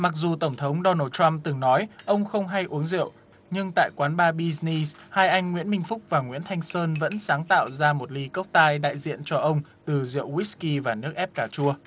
mặc dù tổng thống đô nồ trăm từng nói ông không hay uống rượu nhưng tại quán ba bi ni hai anh nguyễn minh phúc và nguyễn thanh sơn vẫn sáng tạo ra một ly cốc tai đại diện cho ông từ rượu guýt ki và nước ép cà chua